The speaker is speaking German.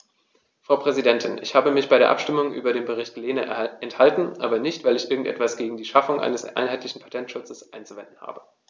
Frau Präsidentin, ich habe mich bei der Abstimmung über den Bericht Lehne enthalten, aber nicht, weil ich irgend etwas gegen die Schaffung eines einheitlichen Patentschutzes einzuwenden habe.